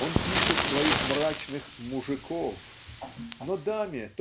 Он пишет своих мрачных "Мужиков" но даме